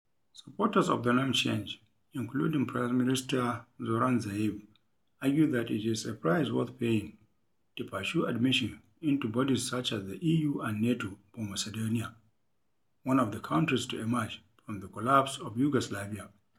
Supporters of the name change, including Prime Minister Zoran Zaev, argue that it is a price worth paying to pursue admission into bodies such as the EU and NATO for Macedonia, one of the countries to emerge from the collapse of Yugoslavia.